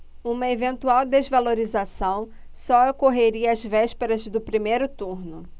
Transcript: uma eventual desvalorização só ocorreria às vésperas do primeiro turno